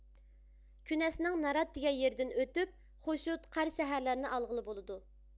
كۈنەسنىڭ نارات دېگەن يېرىدىن ئۆتۈپ خوشۇت قارا شەھەرلەرنى ئالغىلى بولىدۇ